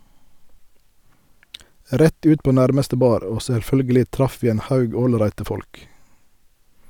Rett ut på nærmeste bar, og selvfølgelig traff vi en haug ålreite folk.